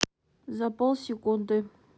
за полсекунды